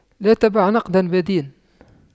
لا تبع نقداً بدين